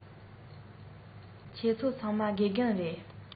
ཁྱེད ཚོ ཚང མ དགེ རྒན རེད